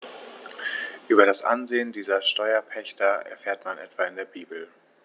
Über das Ansehen dieser Steuerpächter erfährt man etwa in der Bibel.